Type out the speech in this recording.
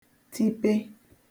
-tipe